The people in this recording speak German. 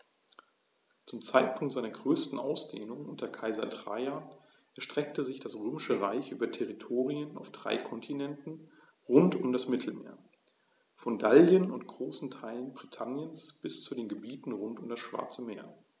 Zum Zeitpunkt seiner größten Ausdehnung unter Kaiser Trajan erstreckte sich das Römische Reich über Territorien auf drei Kontinenten rund um das Mittelmeer: Von Gallien und großen Teilen Britanniens bis zu den Gebieten rund um das Schwarze Meer.